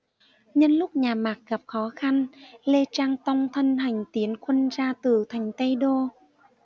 nhân lúc nhà mạc gặp khó khăn lê trang tông thân hành tiến quân ra từ thành tây đô